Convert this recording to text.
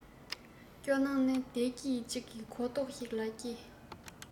སྐྱོ སྣང ནི བདེ སྐྱིད ཅིག གོ རྟོགས ཤིག ལག སྐྱེས